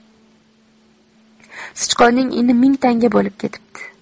sichqonning ini ming tanga bo'lib ketibdi